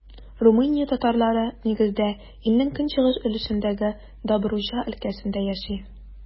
Румыния татарлары, нигездә, илнең көнчыгыш өлешендәге Добруҗа өлкәсендә яши.